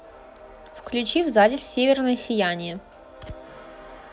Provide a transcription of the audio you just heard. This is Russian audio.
включи в зале северное сияние